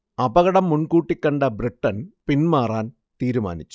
അപകടം മുൻകൂട്ടി കണ്ട ബ്രിട്ടൻ പിന്മാറാൻ തീരുമാനിച്ചു